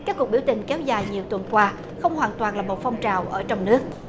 các cuộc biểu tình kéo dài nhiều tuần qua không hoàn toàn là một phong trào ở trong nước